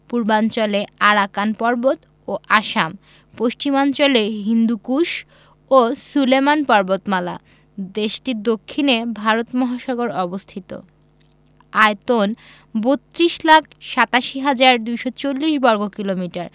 পূর্বাঞ্চলে আরাকান পর্বত ও আসাম পশ্চিমাঞ্চলে হিন্দুকুশ ও সুলেমান পর্বতমালা দেশটির দক্ষিণে ভারত মহাসাগর অবস্থিত আয়তন ৩২ লক্ষ ৮৭ হাজার ২৪০ বর্গ কিমি